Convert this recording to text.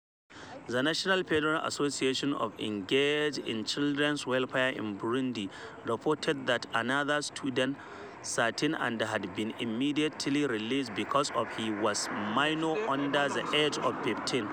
The National Federation of Associations Engaged in Children's Welfare in Burundi reported that another student, 13, had been immediately released because he was a minor under the age of 15.